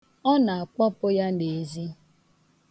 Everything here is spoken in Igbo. Ọ na-akpọpu ya n'ezi.